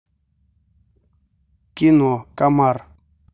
кино комар